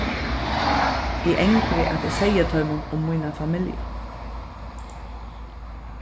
eg angri at eg segði teimum um mína familju